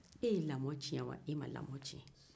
e ye lamɔ tiɲɛ wa e ma lamɔ tiɲɛ